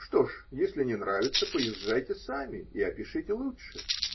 Что ж, если не нравится, поезжайте сами и опишите лучше.